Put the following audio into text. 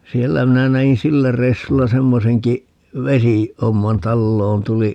siellä minä näin sillä reissulla semmoisenkin - vesihomman taloon tuli